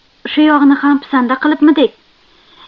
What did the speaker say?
shu yog'ini ham pisanda qilibmidik